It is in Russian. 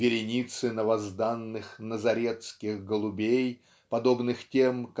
вереницы ново-зданных назаретских голубей подобных тем